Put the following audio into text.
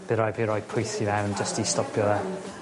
by' raid fi roi pwyth i fewn jyst i stopio fe.